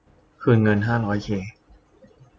คืนเงินห้าร้อยเค